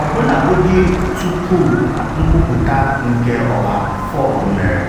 Ọbụlagodi tupu nkwuputanke ọha Ford mere